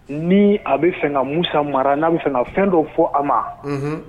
Ni a bɛ fɛ ka mu san mara n'a bɛ fɛ ka fɛn dɔ fɔ a ma